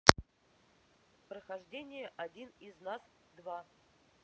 прохождение одни из нас два